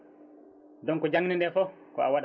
donc jangdede foof ko a waɗat